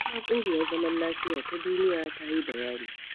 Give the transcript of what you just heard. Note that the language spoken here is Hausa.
Ita ma ƙungiyar Zaman Lafiya ta Duniya ta yi bayani: